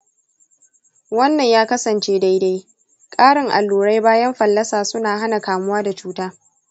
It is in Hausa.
wannan ya kasance daidai; ƙarin allurai bayan fallasa suna hana kamuwa da cuta.